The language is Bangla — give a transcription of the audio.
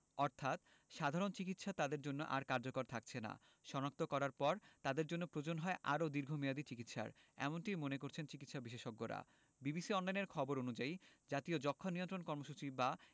অর্থাৎ সাধারণ চিকিৎসা তাদের জন্য আর কার্যকর থাকছেনা শনাক্ত করার পর তাদের জন্য প্রয়োজন হয় আরও দীর্ঘমেয়াদি চিকিৎসার এমনটিই মনে করছেন চিকিৎসাবিশেষজ্ঞরা বিবিসি অনলাইনের খবর অনুযায়ী জাতীয় যক্ষ্মা নিয়ন্ত্রণ কর্মসূচি বা